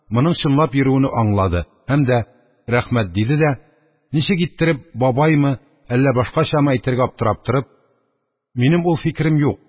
Моның чынлап йөрүене аңлады һәм дә: «рәхмәт!» – диде дә ничек иттереп – бабаймы, әллә башкачамы әйтергә аптырап торып: – минем ул фикерем юк.